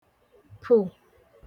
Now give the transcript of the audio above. pụ̀